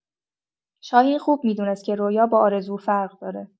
شاهین خوب می‌دونست که رویا با آرزو فرق داره.